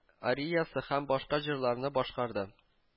Ариясы һәм башка җырларны башкарды